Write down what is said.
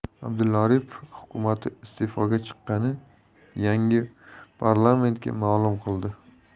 abdulla aripov hukumati iste'foga chiqqanini yangi parlamentga ma'lum qildi